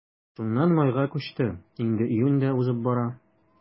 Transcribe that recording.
Шуннан майга күчте, инде июнь дә узып бара.